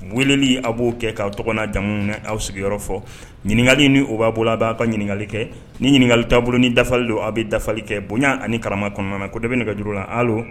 Weleli a b'o kɛ k'a tɔgɔ n'a jamu ni aw sigiyɔrɔ fɔ. Ɲininkali, ni o b'a bolo, a b'a ka ɲininkali kɛ, ni ɲininkali t'a bolo, ni dafali don, a bɛ dafali kɛ bonya ani karama kɔnɔna na. Ko de bɛ nɛgɛjuru la, allo,